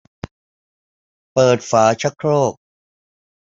เปิดฝาชักโครก